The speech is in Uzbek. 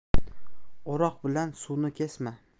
o'roq bilan suvni kesma